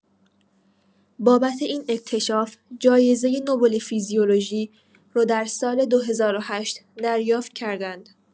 بابت این اکتشاف جایزه نوبل فیزیولوژی رو در سال ۲۰۰۸ دریافت کردند.